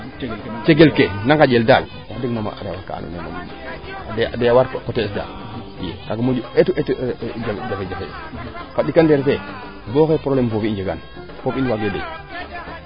cegel ke naa nganjel daal wax deg a refa kaa ando naye a doya waar kaaga moƴu eetu eetu njeg jafe jafe fa ɗika ndeer faa bo xaye probleme foofi a njegaanoyo foofi waage doy